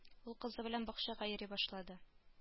Ул кызы белән бакчага йөри башлады